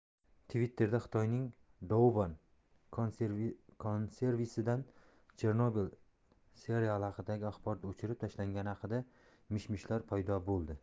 twitter'da xitoyning douban kinoservisidan chernobil seriali haqidagi axborot o'chirib tashlangani haqida mish mishlar paydo bo'ldi